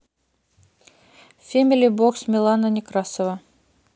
фэмили бокс милана некрасова